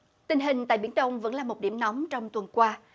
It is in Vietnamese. tình hình tại biển đông vẫn là một điểm nóng trong tuần qua